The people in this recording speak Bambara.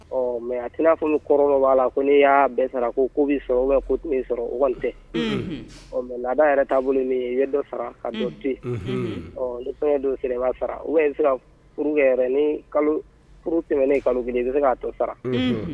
Ɔ mɛ a t n'a fɔ kɔrɔ b'a la ko ne y'a bɛɛ sara ko' bɛ' sɔrɔ u ko tun sɔrɔ u wari tɛ ɔ mɛ laada yɛrɛ taabolo min yɛrɛ dɔ sara ka ɔ ni fɛn don sɛnɛ b'a sara u siran ne kalo kelen bɛ se k'a to sara